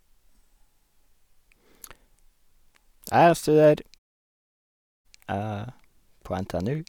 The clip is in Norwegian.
Jeg studerer på NTNU.